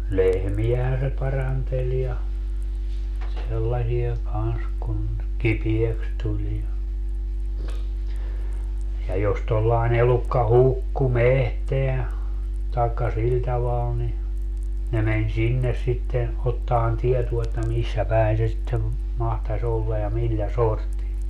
lehmiähän se paranteli ja sellaisia kanssa kun kipeäksi tuli ja ja jos tuollainen elukka hukkui metsään tai sillä tavalla niin ne meni sinne sitten ottamaan tietoa että missä päin se sitten mahtaisi olla ja millä sortin